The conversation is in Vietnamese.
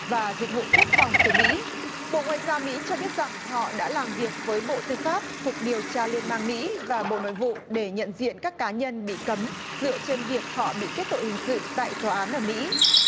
và dịch vụ quốc phòng từ mỹ bộ ngoại giao mỹ cho biết rằng họ đã làm việc với bộ tư pháp cục điều tra liên bang mỹ và bộ nội vụ để nhận diện các cá nhân bị cấm dựa trên việc họ bị kết tội hình sự tại tòa án ở mỹ